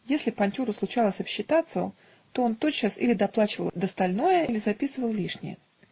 Если понтёру случалось обсчитаться, то он тотчас или доплачивал достальное, или записывал лишнее.